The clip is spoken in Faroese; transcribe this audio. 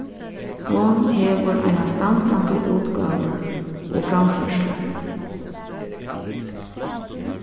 hon hevur einastandandi útgávur og framførslur